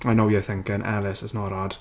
I know you're thinking Ellis it's not hard.